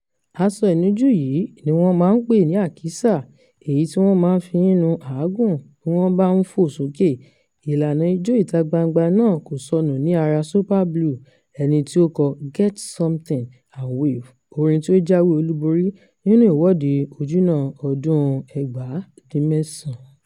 Aṣọ inujú yìí ni wọ́n máa ń pè ní "àkísà", èyí tí wọn máa fi ń nu àágùn bí wọ́n bá ń "fò sókè". Ìlànà Ijó ìta-gbangba náà kò sọnù ní ara Super Blue, ẹni tí ó kọ "Get Something and Wave", orin tí ó jáwé olúborí nínú Ìwọ́de Ojúnà ọdún-un 1991.